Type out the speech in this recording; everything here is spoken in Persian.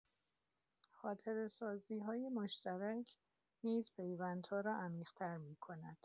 خاطره‌سازی‌های مشترک نیز پیوندها را عمیق‌تر می‌کند؛